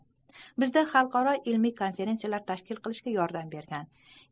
bizda xalqaro ilmiy konferensiyalar tashkil etishga yordam bergan